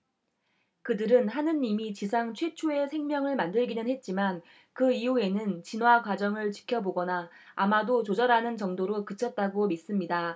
그들은 하느님이 지상 최초의 생명을 만들기는 했지만 그 이후에는 진화 과정을 지켜보거나 아마도 조절하는 정도로 그쳤다고 믿습니다